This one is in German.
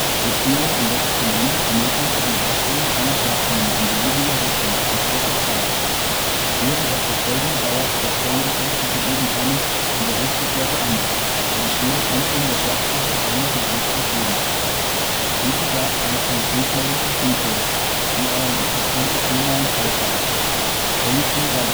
Gruppierung in sechs Kolonnen ermöglichte die Herstellung einer Schlachtlinie in beliebiger Richtung in kurzer Zeit. Während der Verfolgung dauerte das Fernduell zwischen Evan-Thomas und der Hochseeflotte an, aber die schwere Panzerung der Schlachtschiffe verhinderte größere Schäden. Beatty gab eine Positionsmeldung per Funk durch, die aber um etwa 20 Seemeilen falsch war. Jellicoe war